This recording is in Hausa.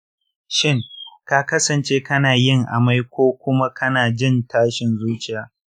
shin ka kasance kana yin amai ko kuma kana jin tashin zuciya?